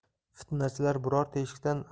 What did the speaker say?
fitnachilar biror teshikdan